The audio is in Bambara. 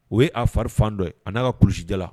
O ye a fariri fandɔ a n'a ka kulusija la